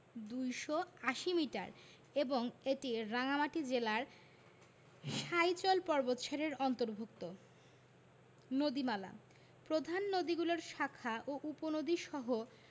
২৮০ metre এবং এটি রাঙ্গামাটি জেলার সাইচল পর্বতসারির অন্তর্ভূক্ত নদীমালাঃ প্রধান নদীগুলোর শাখা ও উপনদীসহ